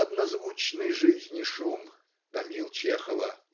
"Однозвучный жизни шум" томил Чехова